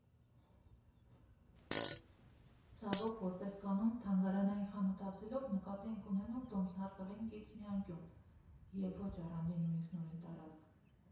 Ցավոք, որպես կանոն, թանգարանային խանութ ասելով՝ նկատի ենք ունենում տոմսարկղին կից մի անկյուն և ոչ առանձին ու ինքնուրույն տարածք։